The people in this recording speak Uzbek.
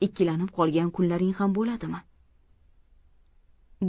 ikkilanib qolgan kunlaring ham bo'ladimi